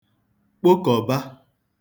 kpokọ̀ba